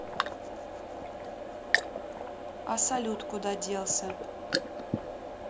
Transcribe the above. а салют куда делся